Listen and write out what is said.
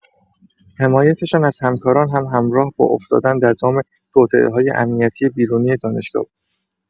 حمایتشان از همکاران هم همراه با افتادن در دام توطئه‌های امنیتی بیرونی دانشگاه بود.